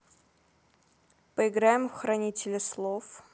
поиграем в хранитель слов